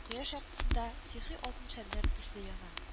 Кояш яктысында сихри алтын шәмнәр төсле яна